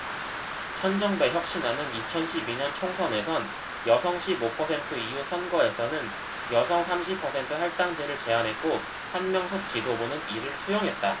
천정배 혁신안은 이천 십 이 년 총선에선 여성 십 오 퍼센트 이후 선거에서는 여성 삼십 퍼센트 할당제를 제안했고 한명숙 지도부는 이를 수용했다